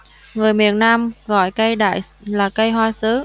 người miền nam gọi cây đại là cây hoa sứ